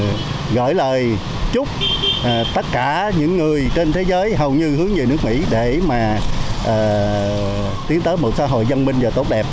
gửi lời chúc tất cả những người trên thế giới hầu như hướng về nước mỹ để mà ờ tiến tới một xã hội văn minh và tốt đẹp